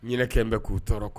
Ɲɛnajɛ bɛ k'u tɔɔrɔ